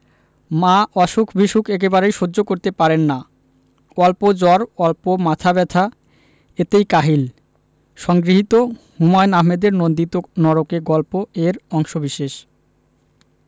মা অসুখ বিসুখ একেবারেই সহ্য করতে পারেন না অল্প জ্বর অল্প মাথা ব্যাথা এতেই কাহিল সংগৃহীত হুমায়ুন আহমেদের নন্দিত নরকে গল্প এর অংশবিশেষ